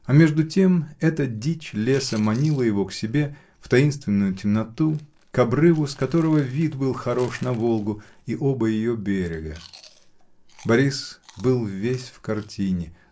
А между тем эта дичь леса манила его к себе, в таинственную темноту, к обрыву, с которого вид был хорош на Волгу и оба ее берега. Борис был весь в картине